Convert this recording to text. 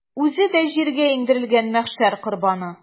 Үзе дә җиргә иңдерелгән мәхшәр корбаны.